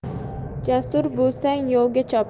jasur bo'lsang yovga chop